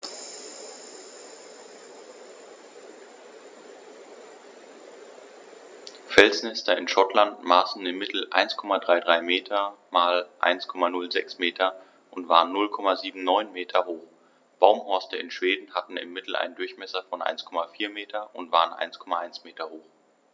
Felsnester in Schottland maßen im Mittel 1,33 m x 1,06 m und waren 0,79 m hoch, Baumhorste in Schweden hatten im Mittel einen Durchmesser von 1,4 m und waren 1,1 m hoch.